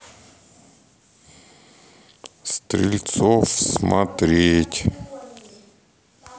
стрельцов смотреть